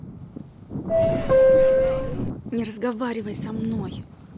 не разговаривай со мной